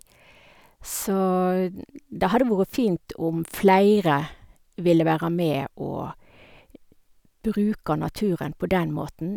Så det hadde vore fint om flere ville være med å bruke naturen på den måten.